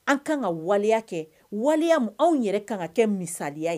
An kan ka waliya kɛ waliya mi, anw yɛrɛ kan ka kɛ misaliya ye.